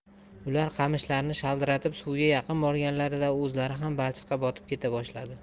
ular qamishlarni shaldiratib suvga yaqin borganlarida o'zlari ham balchiqqa botib keta boshladi